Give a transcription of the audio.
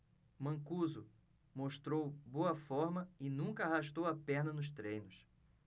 mancuso mostrou boa forma e nunca arrastou a perna nos treinos